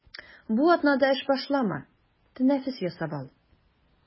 Бу атнада эш башлама, тәнәфес ясап ал.